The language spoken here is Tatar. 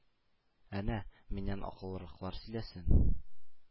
Әнә, миннән акыллыраклар сөйләсен